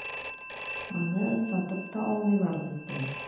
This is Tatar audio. Аны сатып та алмыйлар бездән.